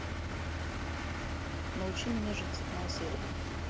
научи меня жить седьмая серия